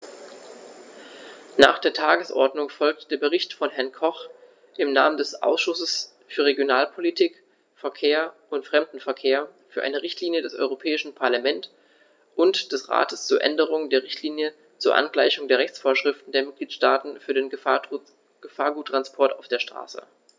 Nach der Tagesordnung folgt der Bericht von Herrn Koch im Namen des Ausschusses für Regionalpolitik, Verkehr und Fremdenverkehr für eine Richtlinie des Europäischen Parlament und des Rates zur Änderung der Richtlinie zur Angleichung der Rechtsvorschriften der Mitgliedstaaten für den Gefahrguttransport auf der Straße.